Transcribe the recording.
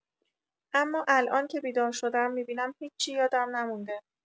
اما الان که بیدار شدم، می‌بینم هیچی یادم نمونده.